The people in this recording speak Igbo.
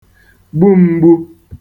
gbu m̄gbū